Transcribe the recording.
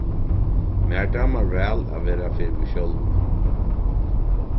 mær dámar væl at vera fyri meg sjálva